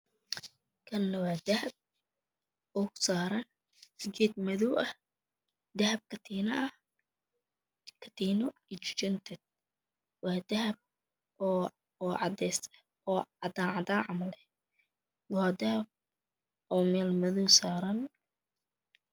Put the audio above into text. Kana waa dahab oo saaran katiin madow ah dahab katiin iyo jijinteeda. Waa dahab oo cadaan camal ah , waa dahab oo meel madow saaran.